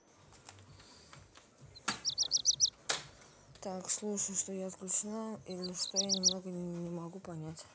так слушай что я отключена или что я ничего не могу понять